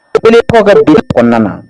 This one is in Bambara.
Kabini paul bɛ du kɔnɔnaɔn na